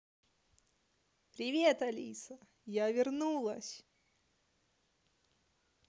привет алиса я вернулась